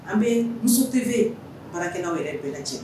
An be muso T V baarakɛlaw yɛrɛ Bɛɛ lajɛlen fo.